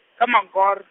ka Mangor-.